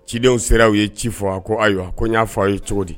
Cidenw sera u ye ci faga ko ayiwa ko n y'a fɔ a ye cogo di